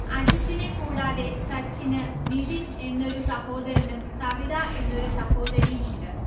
അജിത്തിനെ കൂടാതെ സച്ചിന് നിതിൻ എന്നൊരു സഹോദരനും സവിത എന്നൊരു സഹോദരിയുമുണ്ട്